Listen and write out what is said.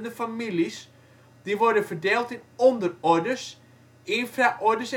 families, die worden verdeeld in onderordes, infraordes